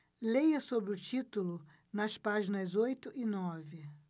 leia sobre o título nas páginas oito e nove